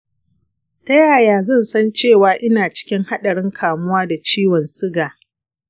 ta yaya zan san cewa ina cikin haɗarin kamuwa da ciwon suga?